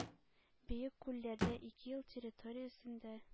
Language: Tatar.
Бөек күлләрдә (ике ил территориясендә